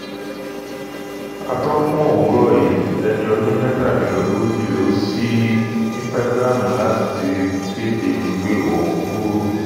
Atọ́kùn Òwúrọ̀ yìí, ẹni oḍún mẹ́tàdínlógòjì lọsí Instagram láti kéde wípé ó ńkúrò.